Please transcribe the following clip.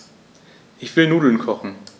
Ich will Nudeln kochen.